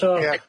So Ie.